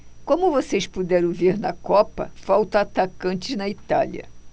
como vocês puderam ver na copa faltam atacantes na itália